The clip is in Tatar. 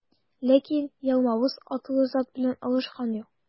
Ләкин Ялмавыз атлы зат белән алышкан юк.